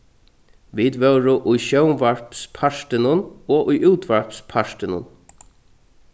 vit vóru í sjónvarpspartinum og í útvarpspartinum